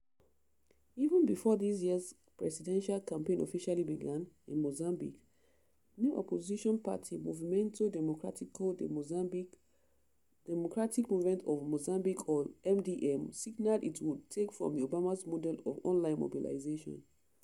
Even before this year's Presidential campaign officially began in Mozambique, new opposition party Movimento Democrático de Moçambique (Democratic Movement of Mozambique, or MDM) signaled it would take from the “Obama” model of online mobilization.